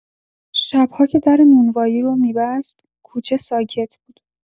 شب‌ها که در نونوایی رو می‌بست، کوچه ساکت بود.